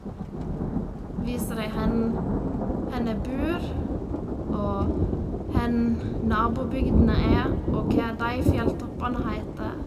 Vise dem hen hen jeg bor, og hen nabobygdene er, og hva de fjelltoppene heter.